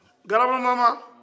grabamama